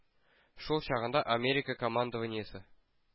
Шул чагында Америка командованиесе